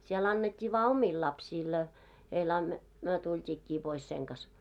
siellä annettiin vain omille lapsille a heille - me tultiinkin pois sen kanssa